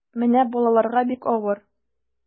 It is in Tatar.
Менә балаларга бик авыр.